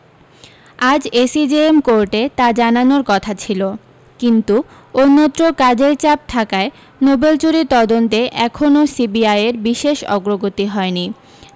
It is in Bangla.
আজ এসিজেএম কোর্টে তা জানানোর কথা ছিল কিন্তু অন্যত্র কাজের চাপ থাকায় নোবেল চুরির তদন্তে এখনও সিবিআইয়ের বিশেষ অগ্রগতি হয়নি